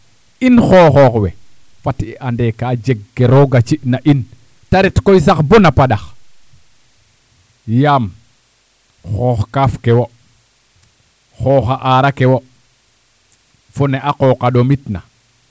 in xooxoox we fat i and ee kaa jeg ke roog a ci'na in te ret koy sax boo na paɗax yaam xoox kaaf ke wo xoox a aaraa ke wo fo ne a qooq a ɗomitn